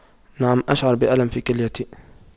نعم أشعر بألم في كليتي